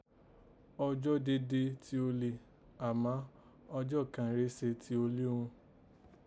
Ọjọ́ dede tí olè, àmá ọjọ́ kàn rèé si ti olóhun